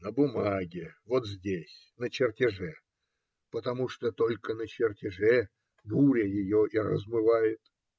на бумаге, вот здесь, на чертеже, потому что только на чертеже буря ее и размывает.